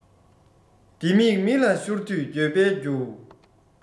ལྡེ མིག མི ལ ཤོར དུས འགྱོད པའི རྒྱུ